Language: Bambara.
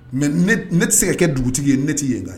Mɛ ne tɛ se ka kɛ dugutigi ye ne tɛ'i yen da